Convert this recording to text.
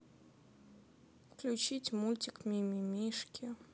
включить мультик ми ми мишки